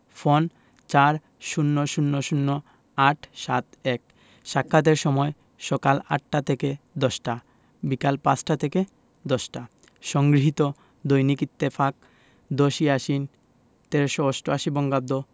phone ৪০০০৮৭১ সাক্ষাতের সময়ঃসকাল ৮টা থেকে ১০টা - বিকাল ৫টা থেকে ১০টা সংগৃহীত দৈনিক ইত্তেফাক ১০ই আশ্বিন ১৩৮৮ বঙ্গাব্দ